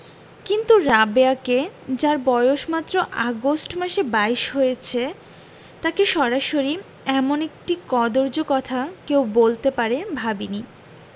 কিন্তু রাবেয়াকে যার বয়স গত আগস্ট মাসে বাইশ হয়েছে তাকে সরাসরি এমন একটি কদৰ্য কথা কেউ বলতে পারে ভাবিনি